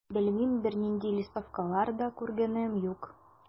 Белмим, бернинди листовкалар да күргәнем юк.